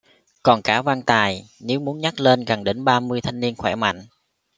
còn cả quan tài nếu muốn nhấc lên cần đến ba mươi thanh niên khỏe mạnh